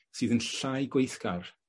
sydd yn llai gweithgar